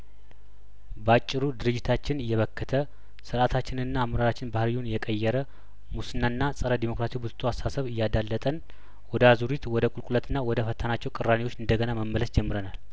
ባጭሩ ድርጅታችን እየበከተ ስርአታችንና አመራራችን ባህርይውን እየቀየረ ሙስናና ጸረ ዴሞክራሲ ቡትቶ አስተሳሰብ እያዳ ለጠን ወደ አዙሪት ወደ ቁልቁለትና ወደ ፈታናቸው ቅራኔዎች እንደገና መመለስ ጀምረናል